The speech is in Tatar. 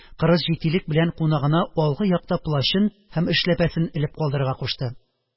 Кырыс җитдилек белән кунагына алгы якта плащын һәм эшләпәсен элеп калдырырга кушты